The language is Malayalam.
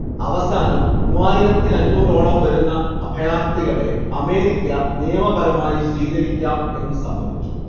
അവസാനം മൂവായിരത്തിയഞ്ഞൂറോളം വരുന്ന അഭയാർത്ഥികളെ അമേരിക്ക നിയമപരമായി സ്വീകരിക്കാം എന്നു സമ്മതിച്ചു